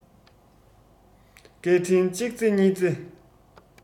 སྐད འཕྲིན གཅིག རྩེ གཉིས རྩེ